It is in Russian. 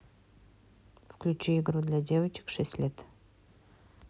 включи игру для девочек шесть лет